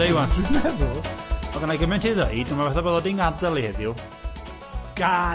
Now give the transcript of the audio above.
Dwi'n meddwl. odd genai gymaint i ddweud ond mae o fatha fod o di ngadael i heddiw.